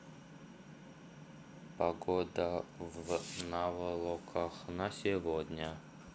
погода в наволоках на сегодня